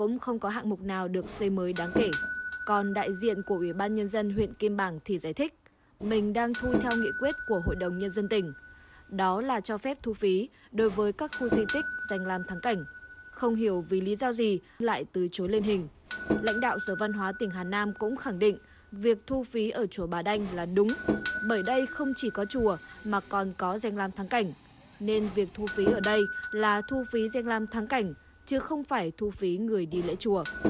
cũng không có hạng mục nào được xây mới đáng kể còn đại diện của ủy ban nhân dân huyện kim bảng thì giải thích mình đang thu theo nghị quyết của hội đồng nhân dân tỉnh đó là cho phép thu phí đối với các khu di tích danh lam thắng cảnh không hiểu vì lý do gì lại từ chối lên hình lãnh đạo sở văn hóa tỉnh hà nam cũng khẳng định việc thu phí ở chùa bà đanh là đúng bởi đây không chỉ có chùa mà còn có danh lam thắng cảnh nên việc thu phí ở đây là thu phí danh lam thắng cảnh chứ không phải thu phí người đi lễ chùa